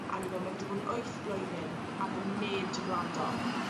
a o'n i fel ma' fe 'di bod yn wyth blwyddyn a ma' neb 'di grando.